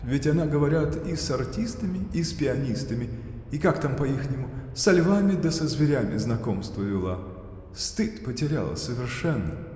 Ведь она, говорят, и с артистами, и с пианистами, и, как там по-ихнему, со львами да со зверями знакомство вела. Стыд потеряла совершенно.